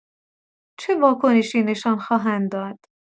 چه واکنشی نشان خواهند داد؟